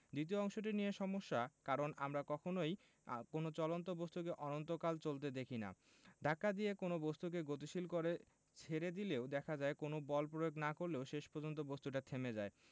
দ্বিতীয় অংশটি নিয়ে সমস্যা কারণ আমরা কখনোই কোনো চলন্ত বস্তুকে অনন্তকাল চলতে দেখি না ধাক্কা দিয়ে কোনো বস্তুকে গতিশীল করে ছেড়ে দিলেও দেখা যায় কোনো বল প্রয়োগ না করলেও শেষ পর্যন্ত বস্তুটা থেমে যায়